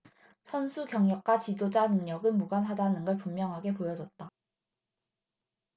선수 경력과 지도자 능력은 무관하다는 걸 분명하게 보여줬다